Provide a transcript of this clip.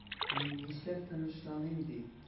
Мин нишләп тынычланыйм ди?